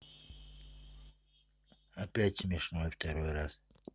опять смешно второй раз